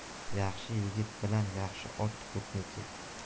yaxshi yigit bilan yaxshi ot ko'pniki